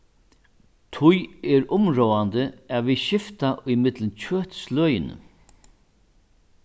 tí er umráðandi at vit skifta ímillum kjøtsløgini